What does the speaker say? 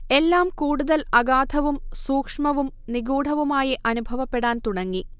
എല്ലാം കൂടുതൽ അഗാധവും സൂക്ഷ്മവും നിഗൂഢവുമായി അനുഭവപ്പെടാൻ തുടങ്ങി